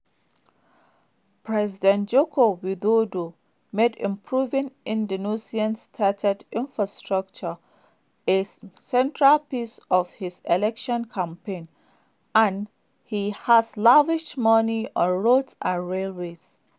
President Joko Widodo made improving Indonesia's tattered infrastructure a centerpiece of his election campaign, and he has lavished money on roads and railways.